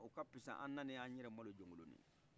o ka fisa an nalen an yɛrɛ malo jonkolonin